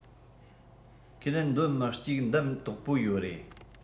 ཁས ལེན འདོད མི གཅིག བདམས དོག པོ ཡོ རེད